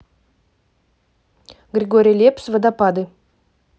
григорий лепс водопады